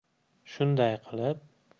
shunday qilib